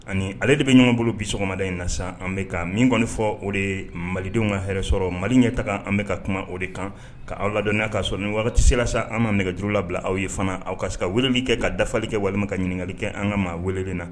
An' ni ale de be ɲɔgɔnbolo bi sɔgɔmada in na sa an be kaa min kɔni fɔ o de ye malidenw ŋa hɛrɛ sɔrɔ Mali ɲɛtaga an be ka kuma o de kan ka aw ladɔniya k'a sɔrɔ nin wagati sela sa an me na nɛgɛjuru labila aw ye fana aw ka se ka weleli kɛ ka dafali kɛ walima ka ɲiniŋali kɛ an ŋa maa welelen na